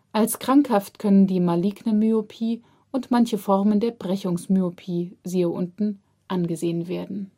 Als krankhaft können die maligne Myopie und manche Formen der Brechungsmyopie (s. u.) angesehen werden